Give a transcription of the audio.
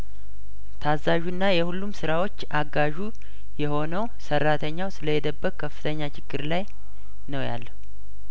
ታዛዡና የሁሉም ስራዎች አጋዡ የሆነው ሰራተኘው ስለሄደበት ከፍተኛ ችግር ላይ ነው ያለው